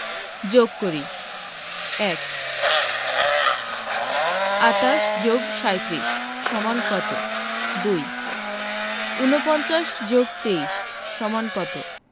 যোগ করি ১ ২৮ + ৩৭ = কত ২ ৪৯ + ২৩ = কত